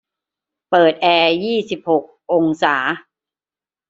เปิดแอร์ยี่สิบหกองศา